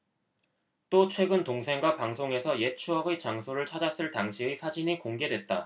또 최근 동생과 방송에서 옛 추억의 장소를 찾았을 당시의 사진이 공개됐다